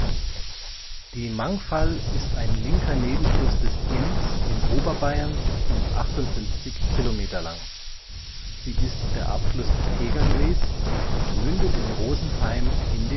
Die Mangfall ist ein linker Nebenfluss des Inns in Oberbayern und 58 km lang. Sie ist der Abfluss des Tegernsees und mündet in Rosenheim in